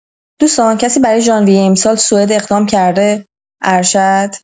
دوستان کسی برای ژانویه امسال سوئد اقدام کرده ارشد؟